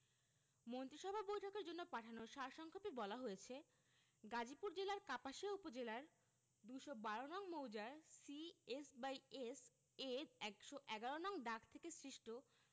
মন্ত্রিসভা বৈঠকের জন্য পাঠানো সার সংক্ষেপে বলা হয়েছে গাজীপুর জেলার কাপাসিয়া উপজেলার ২১২ নং মৌজার সি এস এস এ ১১১ নং দাগ থেকে সৃষ্ট